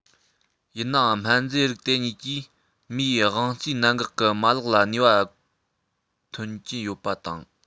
ཡིན ནའང སྨན རྫས རིགས དེ གཉིས ཀྱིས མིའི དབང རྩའི གནད འགག གི མ ལག ལ ནུས པ ཐོན གྱིན ཡོད པ དང